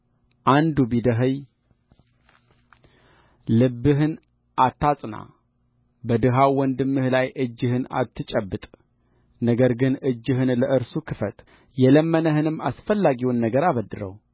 አንዱ ቢደኸይ ልብህን አታጽና በድሀው ወንድምህ ላይ እጅህን አትጨብጥ ነገር ግን እጅህን ለእርሱ ክፈት የለመነህንም አስፈላጊውን ነገር አበድረው